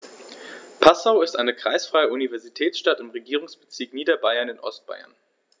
Passau ist eine kreisfreie Universitätsstadt im Regierungsbezirk Niederbayern in Ostbayern.